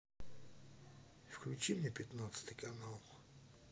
включи мне пятнадцатый канал